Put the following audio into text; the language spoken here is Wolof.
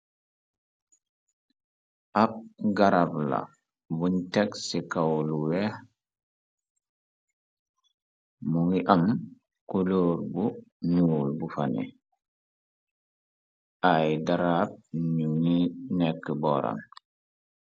ab garab la buñ tex ci kaw lu weex mu ngi am kulóor bu nuul bu fane ay daraab ñu ngi nekk boram